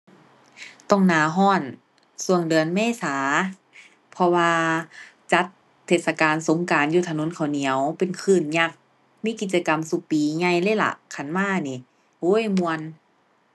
ต้องหน้าร้อนร้อนเดือนเมษา เพราะว่าจัดเทศกาลสงกรานต์อยู่ถนนข้าวเหนียว เป็นคลื่นยักษ์ มีกิจกรรมซุปี ใหญ่เลยล่ะคันมาหนิ โอ๊ย ม่วน